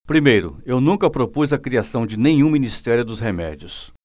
primeiro eu nunca propus a criação de nenhum ministério dos remédios